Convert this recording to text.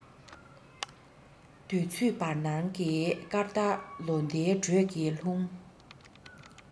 དུས ཚོད བར སྣང གི སྐར མདའ ལོ ཟླའི འགྲོས ཀྱིས ལྷུང